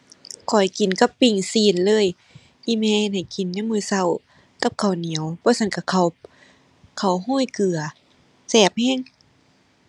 ข้อยกินกับปิ้งชิ้นเลย อีแม่เฮ็ดให้กินยามมื้อชิ้นกับข้าวเหนียว บ่ซั้นชิ้นข้าว ข้าวชิ้นเกลือ แซ่บชิ้น